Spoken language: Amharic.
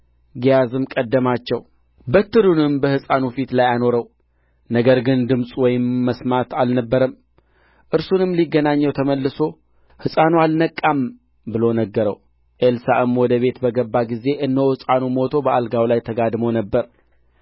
እርሱም ሰላም ቢልህ አትመልስለት በትሬንም በሕፃኑ ፊት ላይ አኑር አለው የሕፃኑም እናት ሕያው እግዚአብሔርን በሕያው ነፍስህም እምላለሁ አልተውህም አለች ተነሥቶም ተከተላት